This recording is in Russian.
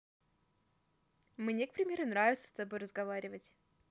мне к примеру нравится с тобой разговаривать